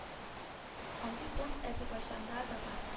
Андый фонд азәрбайҗанда да бар